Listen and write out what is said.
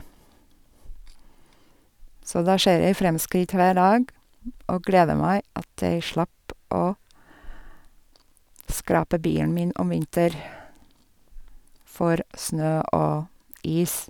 Så da ser jeg fremskritt hver dag, og gleder meg at jeg slapp å skrape bilen min om vinter for snø og is.